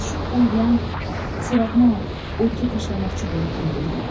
shu o'y bilan suratni o'tga tashlamoqchi bo'lib egildi